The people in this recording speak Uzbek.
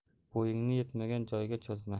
bo'yingni yetmagan joyga cho'zma